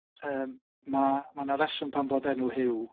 Yym ma' 'na reswm pam bod enw Huw...